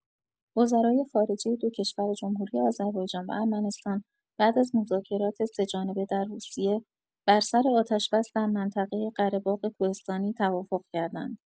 وزرای خارجه دو کشور جمهوری آذربایجان و ارمنستان بعد از مذاکرات سه‌جانبه در روسیه، بر سر آتش‌بس در منطقه «قره‌باغ کوهستانی» توافق کردند.